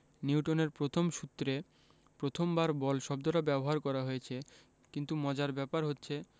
নিউটনের প্রথম সূত্রে প্রথমবার বল শব্দটা ব্যবহার করা হয়েছে কিন্তু মজার ব্যাপার হচ্ছে